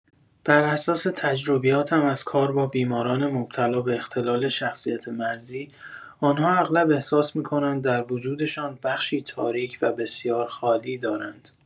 بر اساس تجربیاتم از کار با بیماران مبتلا به اختلال شخصیت مرزی، آن‌ها اغلب احساس می‌کنند در وجودشان بخشی تاریک و بسیار خالی دارند.